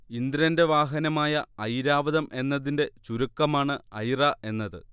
ഇന്ദ്രന്റെ വാഹനമായ ഐരാവതം എന്നതിന്റെ ചുരുക്കമാണ് ഐറ എന്നത്